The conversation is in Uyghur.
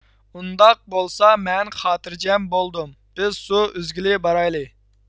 ئۇنداق بولسا مەن خاتىرجەم بولدۇم بىز سۇ ئۈزگىلى بارايلى